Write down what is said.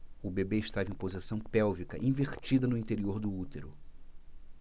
o bebê estava em posição pélvica invertida no interior do útero